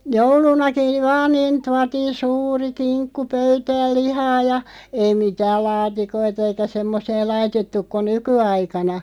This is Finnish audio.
joulunakin vaan niin tuotiin suuri kinkku pöytään lihaa ja ei mitään laatikoita eikä semmoisia laitettu kuin nykyaikana